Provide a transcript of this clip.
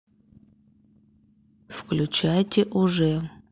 включайте уже